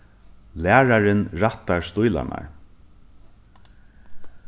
lærarin rættar stílarnar